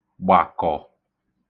gbàkọ̀